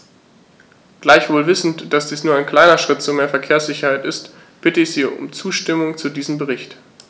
Gleichwohl wissend, dass dies nur ein kleiner Schritt zu mehr Verkehrssicherheit ist, bitte ich Sie um die Zustimmung zu diesem Bericht.